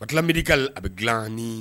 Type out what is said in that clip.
Ka tila miliri ka a bɛ dilan